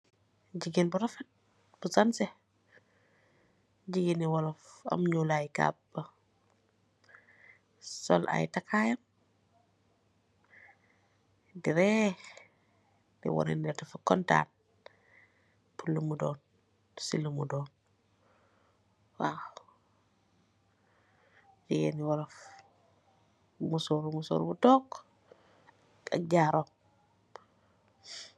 Jigain bu rafet bu sanseh jigaini Wolof am nyulaayi kaababa sol ay takaayam di ree di wanene dafa kontaan si lumu don waaw jigaini wolof bu musoru musor bu tork ak jaarom